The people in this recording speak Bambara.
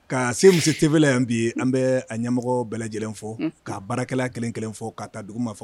Kaa se muso TV la yan bi an bɛɛ a ɲɛmɔgɔɔ bɛɛ lajɛlen fo unhun ka baarakɛla kelen kelen fo ka taa duguma fo